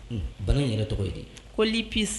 Bana in yɛrɛ tɔgɔ ye di, ko lipisi